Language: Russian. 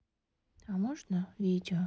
а можно видео